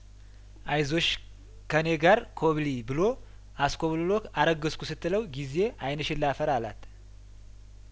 አይዞሽ ከኔ ጋር ኮብልዪ ብሎ አስኮብልሎ አረገዝኩ ስትለው ጊዜ አይንሽን ላፈር አላት